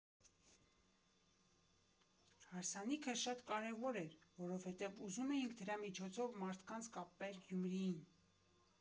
Հարսանիքըը շատ կարևոր էր, որովհետև ուզում էինք դրա միջոցով մարդկանց կապել Գյումրիին։